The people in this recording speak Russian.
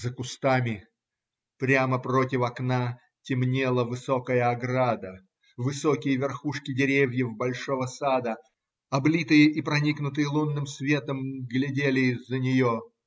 За кустами, прямо против окна, темнела высокая ограда, высокие верхушки деревьев большого сада, облитые и проникнутые лунным светом, глядели из-за нее.